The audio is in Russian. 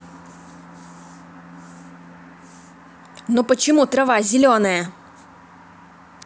ну почему трава зеленая